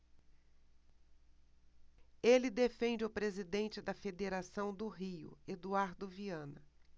ele defende o presidente da federação do rio eduardo viana